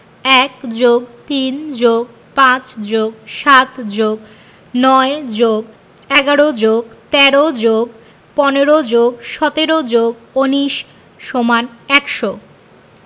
১+৩+৫+৭+৯+১১+১৩+১৫+১৭+১৯=১০০